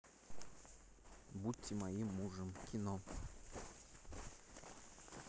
будьте моим мужем кино